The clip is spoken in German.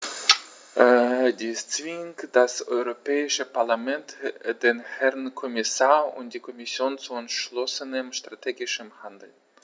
Dies zwingt das Europäische Parlament, den Herrn Kommissar und die Kommission zu entschlossenem strategischen Handeln.